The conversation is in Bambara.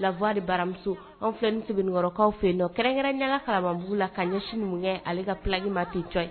lawa baramuso anw fɛ bɛkɔrɔkaw fɛ yen kɛrɛnkɛrɛn yaa karamɔgɔrababugu la ka ɲɛsum ye ale ka kilakima pejɔ ye